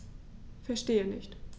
Verstehe nicht.